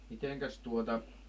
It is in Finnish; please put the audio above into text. mitenkäs tuota